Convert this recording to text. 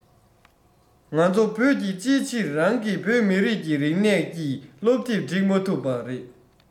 ང ཚོ བོད ཀྱིས ཅིའི ཕྱིར རང གི བོད མི རིགས ཀྱི རིག གནས ཀྱི སློབ དེབ སྒྲིག མ ཐུབ པ རེད